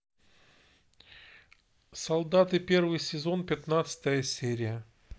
солдаты первый сезон пятнадцатая серия